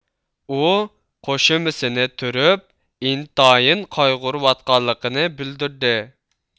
ئۇ قوشۇمىسىنى تۈرۈپ ئىنتايىن قايغۇرۇۋاتقانلىقىنى بىلدۈردى